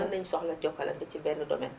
mën nañu soxla jokalante ci benn domaine